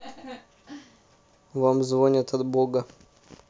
вам звонят от бога